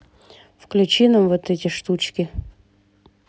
включите нам вот эти штучки